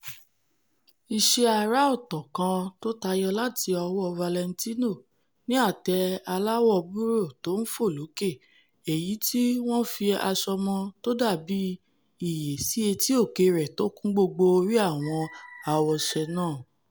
Iṣẹ́ ara-ọ̀tọ̀ kan tótayọ láti ọwọ́ Valentino ni ate aláwọ̀ búráùn tó-ń-fòlókè èyití wọ́n fi àṣomọ́ tódàbí ìyẹ́ sí etí-òkè rẹ̀ tókún gbogbo orí àwọn àwòṣe náà.